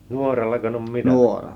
nuorallako ne on mitanneet